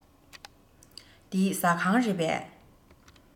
འདི ཟ ཁང རེད པས